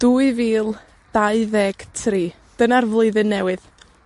Dwy fil, dau ddeg tri. Dyna'r flwyddyn newydd.